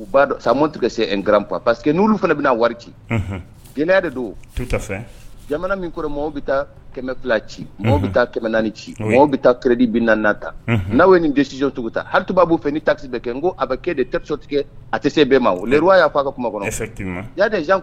Paseke fana de don jamana min bɛ taa kɛmɛ fila ci bɛ naani ci bɛ ta n'aw ye ninsi ta b'a fɛ n ko bɛ ke tigɛ a tɛ se bɛɛ ma y'a fɔ a ka k